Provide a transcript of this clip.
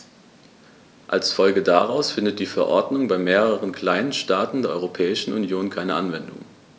Als Folge daraus findet die Verordnung bei mehreren kleinen Staaten der Europäischen Union keine Anwendung.